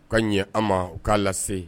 U ka ɲɛ an maa u k'a lase